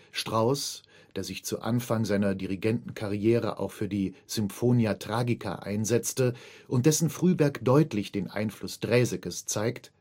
Strauss, der sich zu Anfang seiner Dirigentenkarriere auch für die Symphonia Tragica einsetzte und dessen Frühwerk deutlich den Einfluss Draesekes zeigt